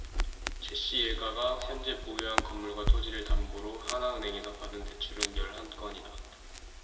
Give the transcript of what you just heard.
최씨 일가가 현재 보유한 건물과 토지를 담보로 하나은행에서 받은 대출은 열 한 건이다